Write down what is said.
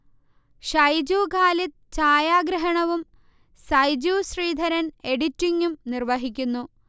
ഷൈജു ഖാലിദ് ചായാഗ്രഹണവും സൈജു ശ്രീധരൻ എഡിറ്റിംഗും നിർവഹിക്കുന്നു